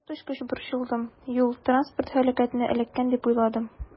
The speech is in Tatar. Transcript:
Коточкыч борчылдым, юл-транспорт һәлакәтенә эләккән дип уйладым.